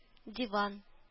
Диван